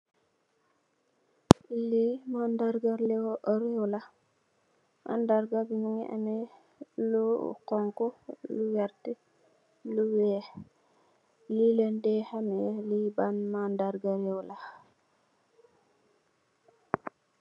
Lii mandarga reew la, mandarga bi mungi ameh lu xonxu, lu wert, lu weeh, li len dee hamee, li ban mandarga reew la.